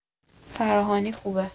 فراهانی خوبه